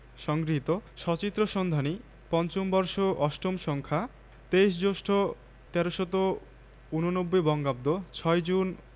০৬ রসিকতা মফশ্বলে নাটক করতে গেছে ঢাকার এক তুখোর অভিনেতা নাটকের এক গুরুত্তপূ্র্ণ অংশে